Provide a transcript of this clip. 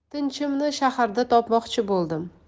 tinchimni shaharda topmoqchi bo'ldim